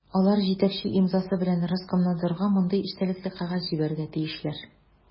Алар җитәкче имзасы белән Роскомнадзорга мондый эчтәлекле кәгазь җибәрергә тиешләр: